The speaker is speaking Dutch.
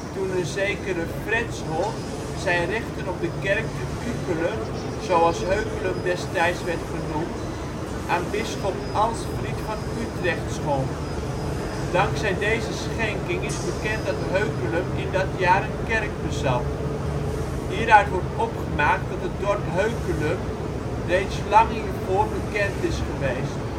toen een zekere Fretzhold zijn rechten op de kerk te " Ukele ", zoals Heukelum destijds werd genoemd, aan bisschop Ansfried van Utrecht schonk. Dankzij deze schenking is bekend dat Heukelum in dat jaar een kerk bezat. Hieruit wordt opgemaakt dat het dorp Heukelum (Ukele) reeds lang hiervoor bekend is geweest